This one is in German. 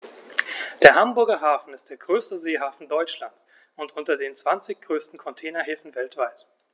Der Hamburger Hafen ist der größte Seehafen Deutschlands und unter den zwanzig größten Containerhäfen weltweit.